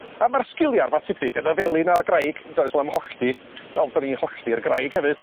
A ma'r sgilia rwbath tebyg yn y felyn a'r graig yndoes son am hollti wel 'dan ni'n hollti'r graig hefyd.